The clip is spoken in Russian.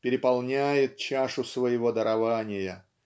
переполняет чашу своего дарования.